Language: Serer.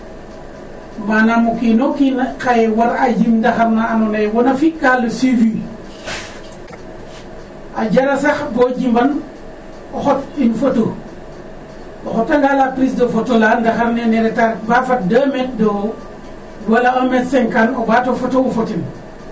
Manam o kiin o kiin xaye waraa jimb ndaxar na andoona ye wona fi'kaa le suivie a jara sax bo o jimban o xot une photo o xotanga la prise de photo la ndaxar ne reta reta ret ba fad deux métre de haut wala un métre cinquante o ɓaato foto'u fo ten.